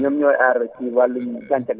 ñoom ñooy aar si wàllum gàncax gi